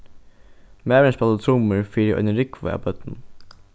maðurin spældi trummur fyri eini rúgvu av børnum